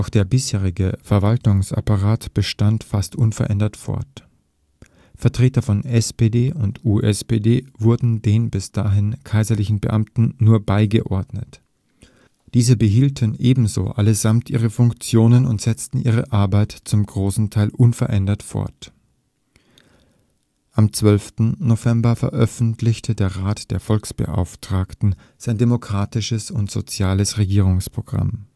der bisherige Verwaltungsapparat bestand fast unverändert fort. Vertreter von SPD und USPD wurden den bis dahin kaiserlichen Beamten nur beigeordnet. Diese behielten ebenso allesamt ihre Funktionen und setzten ihre Arbeit zum großen Teil unverändert fort. Bekanntmachungsplakat der Revolutionsregierung vom 12. November 1918 Am 12. November veröffentlichte der Rat der Volksbeauftragten sein demokratisches und soziales Regierungsprogramm